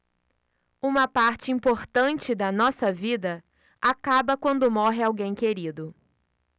uma parte importante da nossa vida acaba quando morre alguém querido